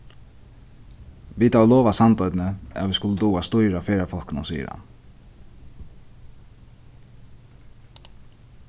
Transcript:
vit hava lovað sandoynni at vit skulu duga at stýra ferðafólkunum sigur hann